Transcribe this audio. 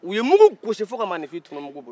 u ye mugu gosi fo ka maanifin tunu mugu bolo